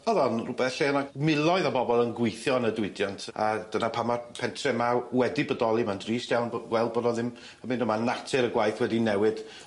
O'dd o'n rwbeth lle ma' miloedd o bobol yn gweithio yn y diwydiant a dyna pam ma'r pentre 'ma wedi bodoli ma'n drist iawn bo- weld bo' fo ddim yn mynd a ma natur y gwaith wedi newid.